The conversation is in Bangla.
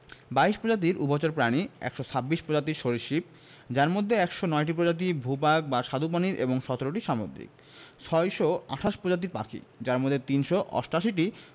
২২ প্রজাতির উভচর প্রাণী ১২৬ প্রজাতির সরীসৃপ যার মধ্যে ১০৯টি প্রজাতি ভূ ভাগ বা স্বাদুপানির এবং ১৭টি সামুদ্রিক ৬২৮ প্রজাতির পাখি যার মধ্যে ৩৮৮টি